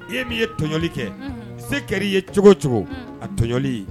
E min ye tɔɲɔli kɛ, unhun, se kɛra i bolo cogo o cogo, unhun, a tɔɲɔli